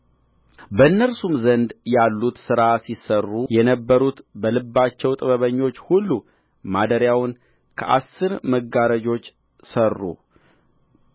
በእነርሱም ዘንድ ያሉት ሥራ ሲሠሩ የነበሩት በልባቸው ጥበበኞች ሁሉ ማደሪያውን ከአሥር መጋረጆች ሠሩ